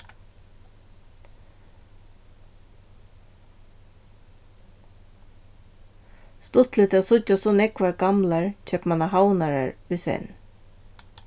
stuttligt at síggja so nógvar gamlar keypmannahavnarar í senn